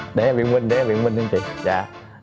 để em biện minh để em biện minh cho kiệt dạ